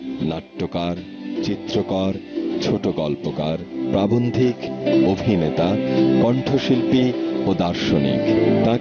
নাট্যকার চিত্রকর ছোট গল্পকার প্রাবন্ধিক অভিনেতা কণ্ঠশিল্পী ও দার্শনিক তাঁকে